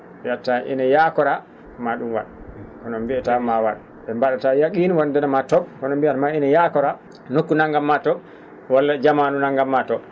mbiyat tan ina yakora ma ?um wa? kono ?e mbiayataa ma wa? ?e taw yaaqiino wonde ne ma to? kono ?e mbiyatma ina yakora nokku nanngam ma to? walla jamanu nanngam maa to?